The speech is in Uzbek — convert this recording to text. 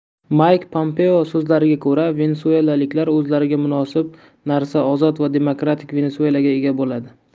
mayk pompeo so'zlariga ko'ra venesuelaliklar o'zlariga munosib narsa ozod va demokratik venesuelaga ega bo'ladi